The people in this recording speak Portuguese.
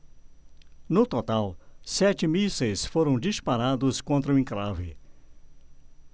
no total sete mísseis foram disparados contra o encrave